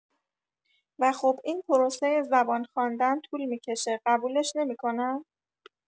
و خب این پروسه زبان خواندن طول می‌کشه قبولش نمی‌کنن؟